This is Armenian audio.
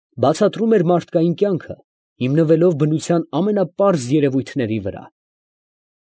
Բացատրում էր մարդկային կյանքը, հիմնվելով բնության ամենապարզ երևույթների վրա։